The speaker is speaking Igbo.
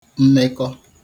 mmekọ